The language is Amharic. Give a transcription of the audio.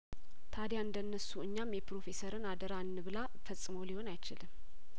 ታዲያእንደ ነሱ እኛም የፕሮፌሰርን አደራ እንብላ ፈጽሞ ሊሆን አይችልም